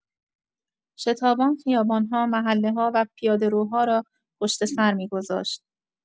شتابان خیابان‌ها، محله‌ها و پیاده‌روها را پشت‌سر می‌گذاشت.